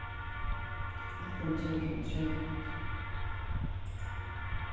hatta ger hon treyðugt